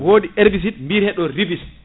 wodi herbicide biyateɗo ribice